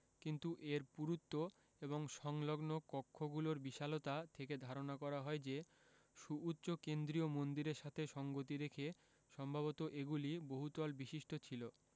কিন্তু এর পুরুত্ব এবং সংলগ কক্ষগুলোর বিশালতা থেকে ধারণা করা যায় যে সুউচ্চ কেন্দ্রীয় মন্দিরের সাথে সঙ্গতি রেখে সম্ভবত এগুলি বহুতল বিশিষ্ট ছিল